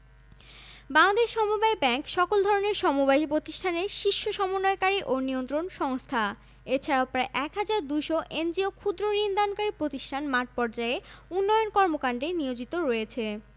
রপ্তানি প্র প্রক্রিয়াকরণ এলাকাঃ ইপিজেড বর্তমানে ঢাকা ও চট্টগ্রামে একটি করে মোট ২টি ইপিজেড রয়েছে